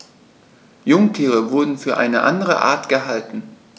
Jungtiere wurden für eine andere Art gehalten.